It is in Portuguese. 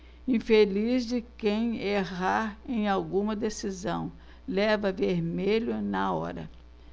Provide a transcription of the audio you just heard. infeliz de quem errar em alguma decisão leva vermelho na hora